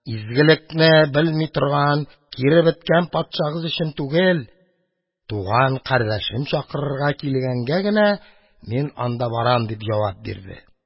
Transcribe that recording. Изгелекне белми торган, киребеткән патшагыз өчен түгел, туган кардәшем чакырырга килгәнгә генә мин анда барам, – дип җавап бирде.